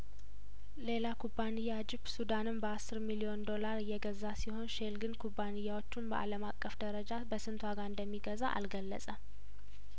ሌላ ኩባንያ አጂፕ ሱዳንን በአስር ሚሊዮን ዶላር የገዛ ሲሆን ሼል ግን ኩባንያዎቹን በአለም አቀፍ ደረጃ በስንት ዋጋ እንደሚገዛ አልገለጸም